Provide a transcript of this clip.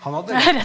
han hadde rett.